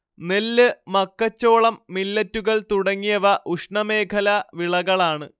നെല്ല് മക്കച്ചോളം മില്ലെറ്റുകൾ തുടങ്ങിയവ ഉഷ്ണമേഖലാ വിളകളാണ്